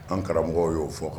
An karamɔgɔ y'o fɔ kan